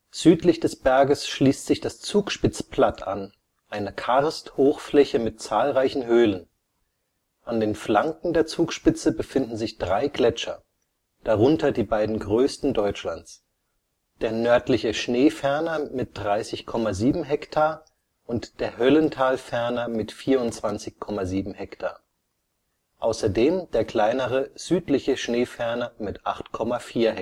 Südlich des Berges schließt sich das Zugspitzplatt an, eine Karst-Hochfläche mit zahlreichen Höhlen. An den Flanken der Zugspitze befinden sich drei Gletscher, darunter die beiden größten Deutschlands: der Nördliche Schneeferner mit 30,7 ha und der Höllentalferner mit 24,7 ha; außerdem der kleinere Südliche Schneeferner mit 8,4